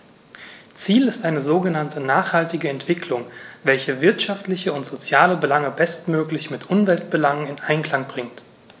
Ziel ist eine sogenannte nachhaltige Entwicklung, welche wirtschaftliche und soziale Belange bestmöglich mit Umweltbelangen in Einklang bringt.